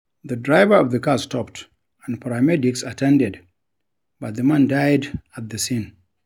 The driver of the car stopped and paramedics attended, but the man died at the scene.